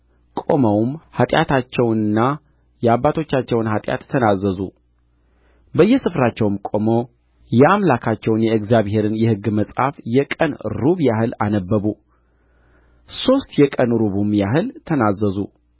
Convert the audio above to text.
ቆመውም ኃጢአታቸውንና የአባቶቻቸውን ኃጢአት ተናዘዙ በየስፍራቸውም ቆመው የአምላካቸውን የእግዚአብሔርን የሕግ መጽሐፍ የቀን ሩብ ያህል አነበቡ ሦስት የቀን ሩብም ያህል ተናዘዙ